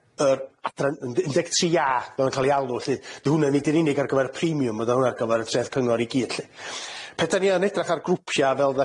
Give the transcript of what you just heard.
ma' petha mor dechra un 'di o. Diolch yn fawr iawn iddo chi.